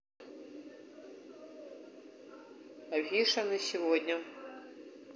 афиша на сегодня